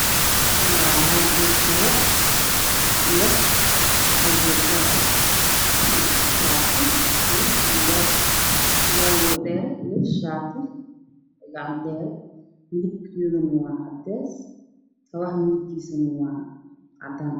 kan waa hal joog kawo iyo hal joog